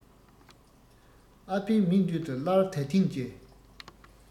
ཨ ཕའི མིག མདུན དུ སླར ད ཐེངས ཀྱི